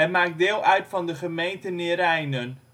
maakt deel uit van de gemeente Neerijnen